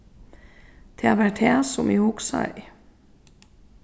tað var tað sum eg hugsaði